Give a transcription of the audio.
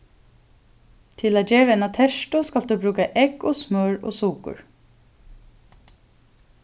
til at gera eina tertu skalt tú brúka egg og smør og sukur